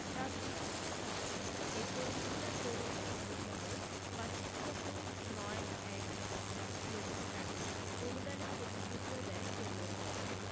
রাজ্য সরকারের কাছে এই পরীক্ষাগার তৈরীর খরচ বাবদ বাষট্টি দশমিক নয় এক লক্ষ টাকা অনুদানের প্রতিশ্রুতিও দেয় কেন্দ্র সরকার